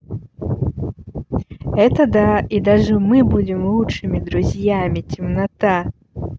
это да и даже мы будем лучшими друзьями темнота